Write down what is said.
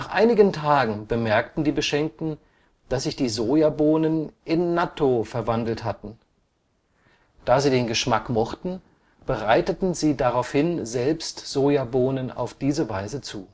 einigen Tagen bemerkten die Beschenkten, dass sich die Sojabohnen in Nattō verwandelt hatten. Da sie den Geschmack mochten, bereiteten sie daraufhin selbst Sojabohnen auf diese Weise zu